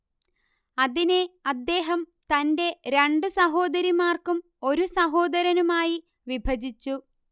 അതിനെ അദ്ദേഹം തന്റെ രണ്ടു സഹോദരിമാർക്കും ഒരു സഹോദരനുമായി വിഭജിച്ചു